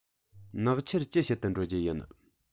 ནག ཆུར ཅི བྱེད དུ འགྲོ རྒྱུ ཡིན